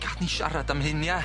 Gad ni siarad am hyn ia?